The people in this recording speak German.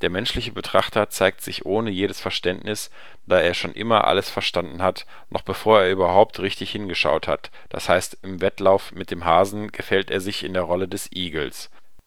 Der menschliche Betrachter zeigt sich ohne jedes Verständnis, da er schon immer alles verstanden hat, noch bevor er überhaupt richtig hingeschaut hat, d.h. im Wettlauf mit dem Hasen gefällt er sich in der Rolle des Igels